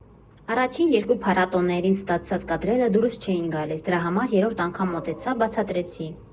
Առաջին երկու փառատոներին ստացած կադրերը դուրս չէին գալիս, դրա համար երրորդ անգամ մոտեցա, բացատրեցի։